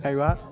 hay quá